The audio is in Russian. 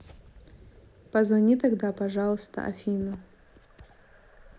позови тогда пожалуйста афину